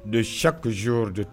Don sa koyo de